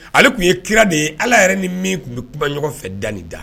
Ale tun ye kira de ye Allah yɛrɛ ni min tun bɛ kuma ɲɔgɔn fɛ da ni da